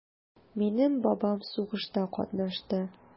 Минем бабам сугышта катнашты.